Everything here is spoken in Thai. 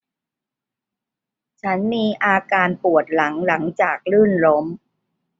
ฉันมีอาการปวดหลังหลังจากลื่นล้ม